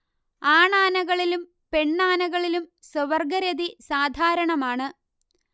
ആണാനകളിലും പെണ്ണാനകളിലും സ്വവർഗ്ഗരതി സാധാരണമാണ്